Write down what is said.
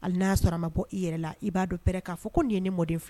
A n'a'a sɔrɔ a ma bɔ i yɛrɛ la i b'a dɔnɛ k'a fɔ ko nin ye mɔden filɛ